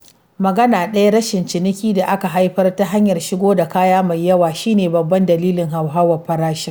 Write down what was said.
Magana daya, rashi ciniki da aka haifar ta hanyar shigo da kaya mai yawa shi ne babban dalilin hauhawar farashi.